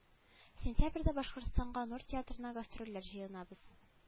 Сентябрьдә башкортстанга нур театрына гастрольләр җыенабыз